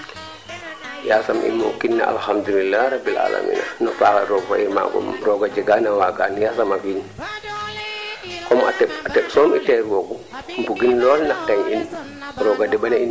manaam coono fum ando ye ten nu njakonte aayo yaa ndiing ne faam noox na te ref coté ax ke te reff ax kaaf wala ɓasi wala areer te ref coono na nuun nuun qoxoox